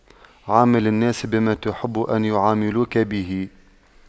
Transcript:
عامل الناس بما تحب أن يعاملوك به